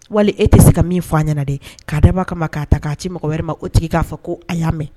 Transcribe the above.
Wali e tɛ se ka min fɔ a ɲɛna de'a daba kama k'a ta k'a ci mɔgɔ wɛrɛ ma o tigi k'a fɔ ko a y'a mɛn